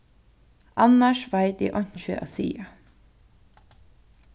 annars veit eg einki at siga